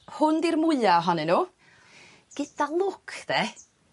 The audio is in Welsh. Hwn 'di'r mwya ohonyn n'w gyda lwc 'de